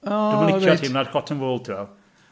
O, reit... Dwi'm yn licio teimlad cotton wool, ti weld.